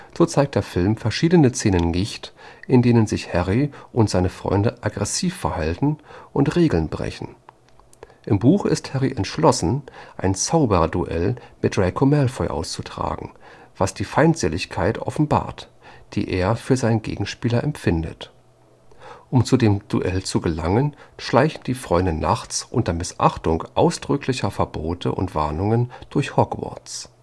wird. So zeigt der Film verschiedene Szenen nicht, in denen sich Harry und seine Freunde aggressiv verhalten und Regeln brechen: Im Buch ist Harry entschlossen, ein Zauberduell mit Draco Malfoy auszutragen, was die Feindseligkeit offenbart, die er für seinen Gegenspieler empfindet; um zu dem Duell zu gelangen, schleichen die Freunde nachts unter Missachtung ausdrücklicher Verbote und Warnungen durch Hogwarts